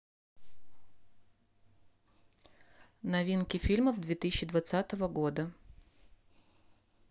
новинки фильмов две тысячи двадцатого года